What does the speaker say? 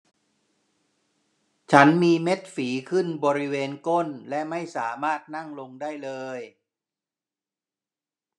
ฉันมีเม็ดฝีขึ้นบริเวณก้นและไม่สามารถนั่งลงได้เลย